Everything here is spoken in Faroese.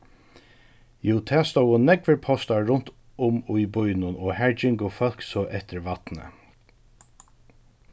jú tað stóðu nógvir postar runt um í býnum og har gingu fólk so eftir vatni